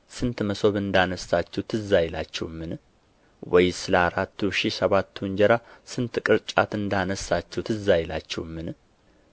ስንት መሶብም እንዳነሣችሁ ትዝ አይላችሁምን ወይስ ለአራቱ ሺህ ሰባቱ እንጀራ ስንት ቅርጫትም እንዳነሣችሁ ትዝ አይላችሁምን